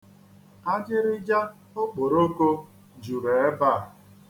Ajịrịja okporoko juru ebe a.